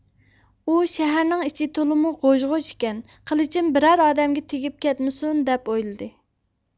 ئۇ شەھەرنىڭ ئىچى تولىمۇ غوژ غوژ ئىكەن قىلىچىم بىرەر ئادەمگە تېگىپ كەتمىسۇن دەپ ئويلىدى